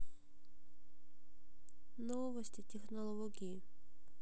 новости технологии